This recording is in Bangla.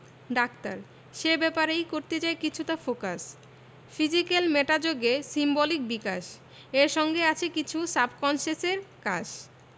ডাক্তার সে ব্যাপারেই করতে চাই কিছুটা ফোকাস ফিজিক্যাল মেটা যোগে সিম্বলিক বিকাশ এর সঙ্গে আছে কিছু সাবকন্সাসের কাশ